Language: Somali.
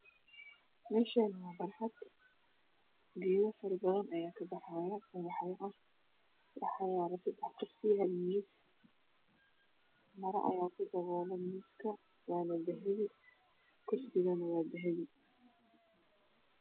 Meeshaani waa barxad geedo faro badan ayaa kabaxaya waxaa yaal seddex kursi iyo hal miis. maro ayaa kudaboolan miiska waana dahabi, kursigana waa dahabi.